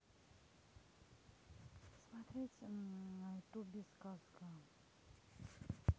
смотреть на ютубе сказка